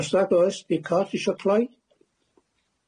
Os nad oes, di cot isio cloi?